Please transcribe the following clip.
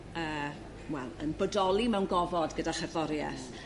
yrr wel yn bodoli mewn gofod gyda cherddori'eth.